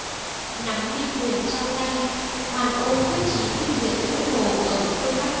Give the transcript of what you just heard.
nắm binh quyền trong tay hoàn ôn quyết chí tiêu diệt ngũ hồ ở phương bắc